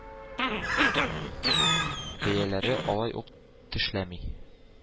Бәяләре алай ук “тешләми”.